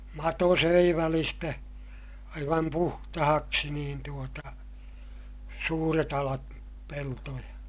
mato söi välistä aivan puhtaaksi niin tuota suuret alat peltoja